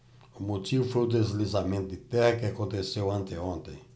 o motivo foi o deslizamento de terra que aconteceu anteontem